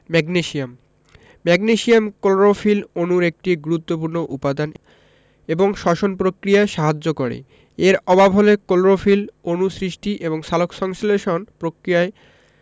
magnesium magnesium chlorophyll অণুর একটি গুরুত্বপুর্ণ উপাদান এবং শ্বসন প্রক্রিয়ায় সাহায্য করে এর অভাব হলে ক্লোরোফিল অণু সৃষ্টি এবং সালোকসংশ্লেষণ প্রক্রিয়ায়